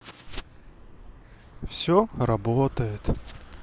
все работает